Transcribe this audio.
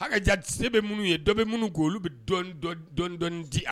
Hakaja, ne bɛ minnu ye, dɔɔni bɛ minnu kun olu bɛ dɔnni dɔɔni di a la